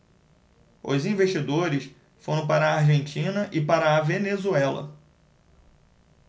os investidores foram para a argentina e para a venezuela